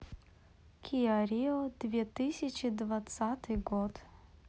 киа рио две тысячи двадцатый год